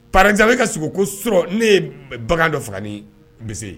Paz ka sogo ko so ne ye bagan dɔ faga bɛse ye